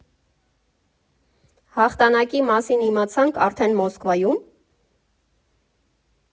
Հաղթանակի մասին իմացաք արդեն Մոսկվայու՞մ։